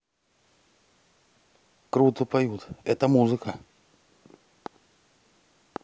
круто поют это музыка